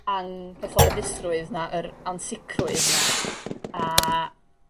anghyfforddusrwydd 'na yr ansicrwydd 'na a